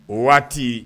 O waati